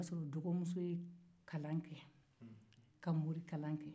o ya sɔrɔ dɔgɔmuso ye kalan kɛ ka morikalan kɛ